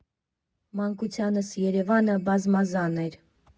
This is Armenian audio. Մանկությանս Երևանը բազմազան էր.